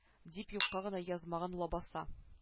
Дип юкка гына язмаган лабаса